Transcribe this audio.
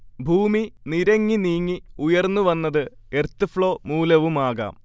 ഭൂമി നിരങ്ങി നീങ്ങി ഉയർന്നുവന്നത് എർത്ത്ഫ്ളോ മൂലവുമാകാം